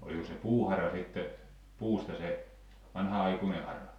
olikos se puuhara sitten puusta se vanhanaikainen hara